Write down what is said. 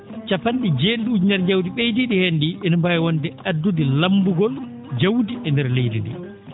cappan?e jee?i?i ujunere njawdi ?eydii?i heen ?ii ina mbaawi wonde addude lammbugol jawdi e ndeer leydi ndii